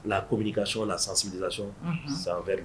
N'a kobili ka son na sanbila sɔnon san wɛrɛri